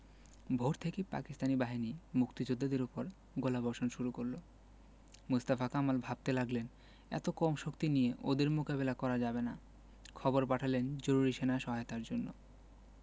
ভোর থেকেই পাকিস্তানি বাহিনী মুক্তিযোদ্ধাদের উপর গোলাবর্ষণ শুরু করল মোস্তফা কামাল ভাবতে লাগলেন এত কম শক্তি নিয়ে ওদের মোকাবিলা করা যাবে না খবর পাঠালেন জরুরি সেনা সহায়তার জন্য